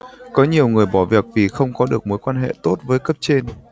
có nhiều người bỏ việc vì không có được mối quan hệ tốt với cấp trên